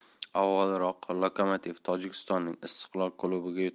avvalroq lokomotiv tojikistonning istiqlol klubiga